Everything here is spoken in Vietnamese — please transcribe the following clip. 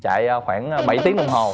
chạy à khoảng a bảy tiếng đồng hồ